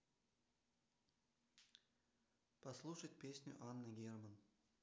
послушать песню анны герман